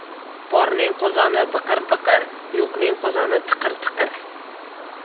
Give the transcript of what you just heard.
borning qozoni biqir biqir yo'qning qozoni tiqir tiqir